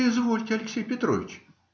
- Извольте, Алексей Петрович.